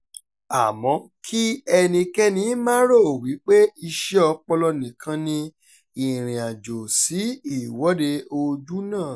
Àmọ́ kí ẹnikẹ́ni máà rò wípé iṣẹ́ ọpọlọ nìkan ni ìrìnàjò sí Ìwọ́de Ojúnà.